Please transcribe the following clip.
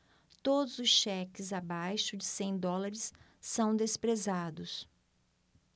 todos os cheques abaixo de cem dólares são desprezados